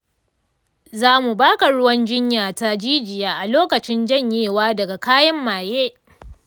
za mu ba ka ruwan jinya ta jijiya a lokacin janyewa daga kayan maye.